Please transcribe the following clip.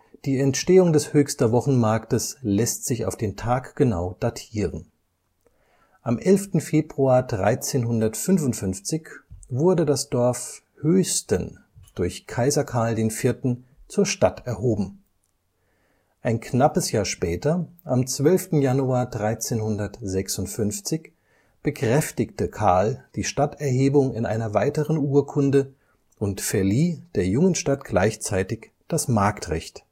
Die Entstehung des Höchster Wochenmarktes lässt sich auf den Tag genau datieren. Am 11. Februar 1355 wurde das Dorf Hoesten durch Kaiser Karl IV. zur Stadt erhoben. Ein knappes Jahr später, am 12. Januar 1356, bekräftigte Karl die Stadterhebung in einer weiteren Urkunde und verlieh der jungen Stadt gleichzeitig das Marktrecht